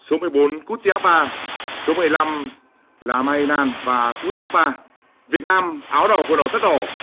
số mười bốn cút ti áp ba số mười lăm là ma hy nan và cút ti át ba việt nam áo đỏ quần đỏ tất đỏ